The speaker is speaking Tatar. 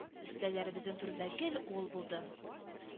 Өстәлләребезнең түрендә гел ул булды